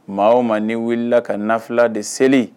Maa ma ne wulila ka nafula de seli